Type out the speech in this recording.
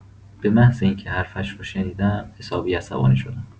به محض اینکه حرفش رو شنیدم، حسابی عصبانی شدم.